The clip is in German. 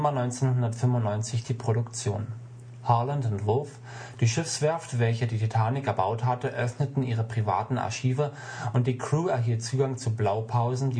1995 die Produktion. Harland & Wolff, die Schiffswerft, welche die Titanic erbaut hatte, öffneten ihre privaten Archive und die Crew erhielt Zugang zu Blaupausen